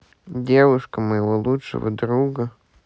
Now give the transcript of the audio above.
девушка моего лучшего друга